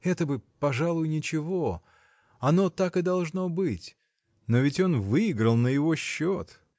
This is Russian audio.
Это бы, пожалуй, ничего, оно так и должно быть но ведь он выиграл на его счет.